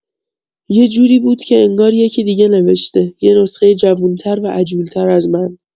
یه جوری بود که انگار یکی دیگه نوشته، یه نسخۀ جوون‌تر و عجول‌تر از من.